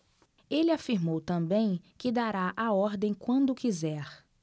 ele afirmou também que dará a ordem quando quiser